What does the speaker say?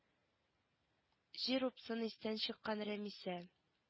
Җир упсын истән чыккан рәмисә